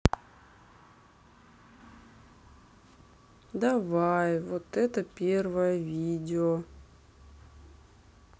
давай вот это первое видео